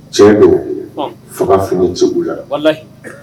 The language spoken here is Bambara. Tiɲɛ don faga fini cogo la